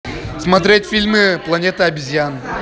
смотреть фильм планета обезьян